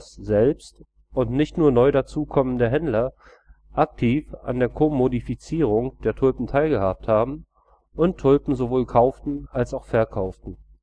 selbst und nicht nur neu dazukommende Händler aktiv an der Kommodifizierung der Tulpen teilgehabt haben und Tulpen sowohl kauften als auch verkauften